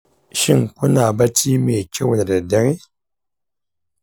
shin kuna barci mai kyau da daddare?